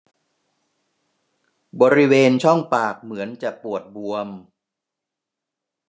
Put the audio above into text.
บริเวณช่องปากเหมือนจะปวดบวม